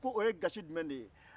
k' ye gasi jumɛn de ye